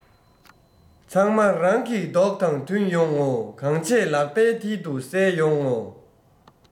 ཚང མ རང གི མདོག དང མཐུན ཡོང ངོ གང བྱས ལག པའི མཐིལ དུ གསལ ཡོང ངོ